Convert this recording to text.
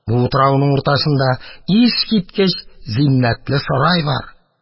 Бу утрауның уртасында искиткеч зиннәтле сарай бар.